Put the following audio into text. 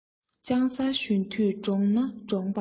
ལྕང གསར གཞོན དུས འདྲོངས ན འདྲོངས པ རེད